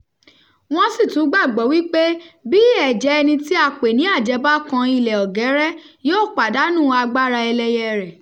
Wọ́n sì tún gbàgbọ́ wípé bí ẹ̀jẹ̀ẹ ẹni tí a pè ní àjẹ́ bá kan ilẹ̀ ọ̀gẹ́rẹ́, yóò pàdánù agbára ẹlẹyẹ rẹ̀.